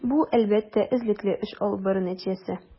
Бу, әлбәттә, эзлекле эш алып бару нәтиҗәсе.